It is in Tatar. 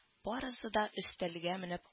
Барысы да өстәлгә менеп